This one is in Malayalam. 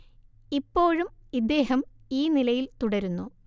ഇപ്പോഴും ഇദ്ദേഹം ഈ നിലയില്‍ തുടരുന്നു